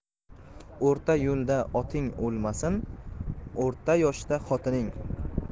o'rta yo'lda oting o'lmasin o'rta yoshda xotining